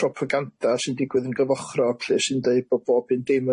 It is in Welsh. propaganda sy'n digwydd yn gyfochrog lly sy'n deud bo bob un dim